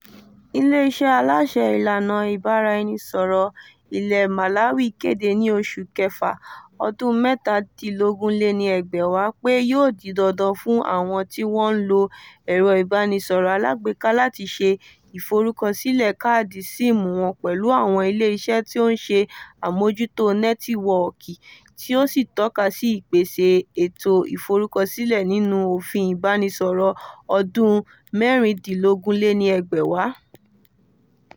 Ilé iṣẹ́ Aláṣẹ ìlànà ìbáraẹnisọ̀rọ̀ ilẹ̀ Malawi kéde ní oṣù kẹfà ọdún 2017 pé yóò di dandan fún àwọn tí wọ́n ń lo ẹ̀rọ Ìbánisọrọ̀ alágbèéká láti ṣe ìforúkọsílẹ̀ káàdì SIM wọn pẹ̀lú àwọn ilé iṣẹ́ tí ó ń ṣe àmójútó nẹ́tíwọ́ọ̀kì, tí ó sì tọ́ka sí ìpèsè ètò ìforúkọsílẹ̀ nínú òfin Ìbánisọrọ̀ ọdún 2016.